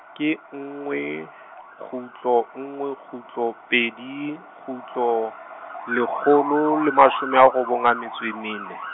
ke nngwe kgutlo nngwe, kgutlo pedi, kgutlo, lekgolo le mashome a robong a metso e mme nne.